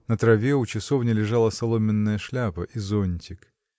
На траве у часовни лежала соломенная шляпа и зонтик.